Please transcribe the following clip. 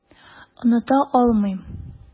Оныта алмыйм.